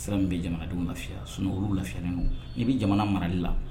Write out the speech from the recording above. Sira min bɛ jamanadenw lafiya sun olu lafiinɛ n' bɛ jamana marali la